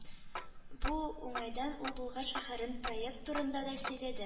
Бу уңайдан ул Болгар шәһәрен проект турында да сөйләде.